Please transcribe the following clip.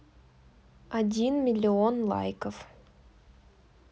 один миллион лайков